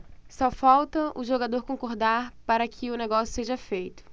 só falta o jogador concordar para que o negócio seja feito